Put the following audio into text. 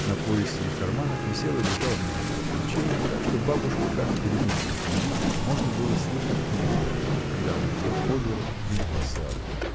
На поясе и в карманах висело и лежало множество ключей, так что бабушку, как гремучую змею, можно было слышать издали, когда она идет по двору или по саду.